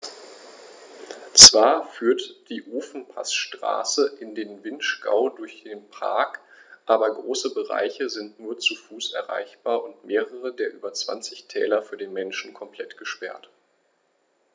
Zwar führt die Ofenpassstraße in den Vinschgau durch den Park, aber große Bereiche sind nur zu Fuß erreichbar und mehrere der über 20 Täler für den Menschen komplett gesperrt.